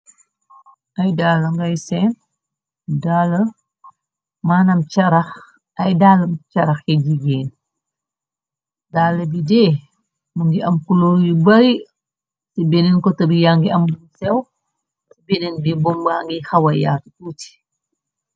Ai dala gai seen mnay daalam caraxe gigéen daala bi jee mu ngi am kulor yu bari ci beneen ko tabi yangi am dum sew ci beneen bi bomba ngi xawa yaar tuuci.